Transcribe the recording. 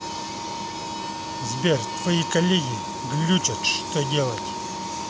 сбер твои коллеги глючат что делать